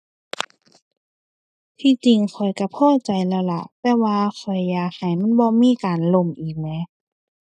ที่จริงข้อยก็พอใจแล้วล่ะ แต่ว่าข้อยอยากให้มันบ่มีการล่มอีกแหม